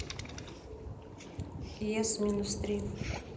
ес минус три